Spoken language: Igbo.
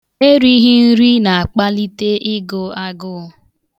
Erighị nri na-akpalite ịgụ agụụ.